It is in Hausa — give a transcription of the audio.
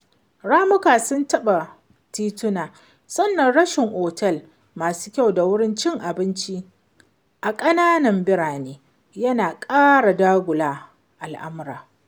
Ramuka sun ɓata tituna sannan kuma rashin otel masu kyau da wurin cin abinci a ƙananan birane yana ƙara dagula al'amura.